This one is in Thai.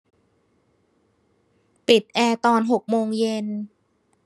ปิดแอร์ตอนหกโมงเย็น